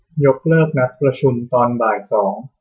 ยกเลิกนัดประชุมตอนบ่ายสอง